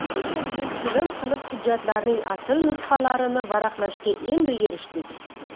shuncha yil ilm qilib hujjatlarning asl nusxalarini varaqlashga endi erishdik